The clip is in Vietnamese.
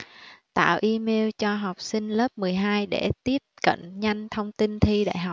tạo email cho học sinh lớp mười hai để tiếp cận nhanh thông tin thi đại học